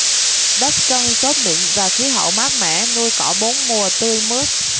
đất trân xốp mịn và khí hậu mát mẻ nuôi cỏ bốn mùa tươi mướt